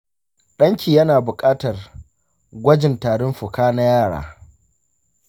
ɗanki yana buƙatar gwajin tarin fuka na yara.